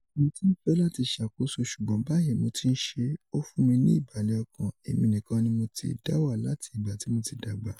Mo ti ń fẹ́ láti ṣàkóso ṣùgbọ́n báyìí mo ti ń ṣe é, ó fún mi ní ìbàlẹ̀ ọkàn, èmi nìkàn ní mò tí dáwà láti ìgbà ti mo ti dàgbà.